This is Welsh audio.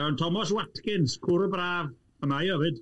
Yym, Thomas Watkins, Cwrw Braf, a mae o 'fyd.